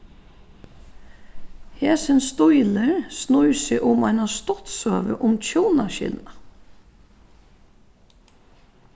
hesin stílur snýr seg um eina stuttsøgu um hjúnaskilnað